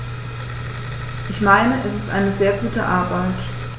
Ich meine, es ist eine sehr gute Arbeit.